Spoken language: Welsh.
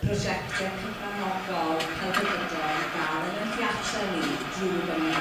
brosiecte cyfranogol celfyddydol i ga'l yn 'yn theatre ni drw' Gymru